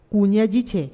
K'u ɲɛji tiɲɛ